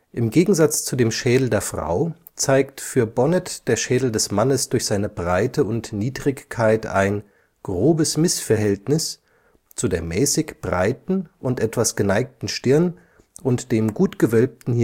Im Gegensatz zu dem Schädel der Frau zeigt für Bonnet der Schädel des Mannes durch seine Breite und Niedrigkeit ein „ grobes Mißverhältnis “zu der mäßig breiten und etwas geneigten Stirn und dem gut gewölbten